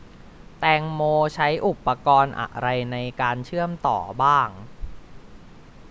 แตงโมใช้อุปกรณ์อะไรในการเชื่อมต่อบ้าง